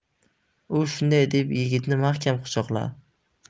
u shunday deb yigitni mahkam quchoqladi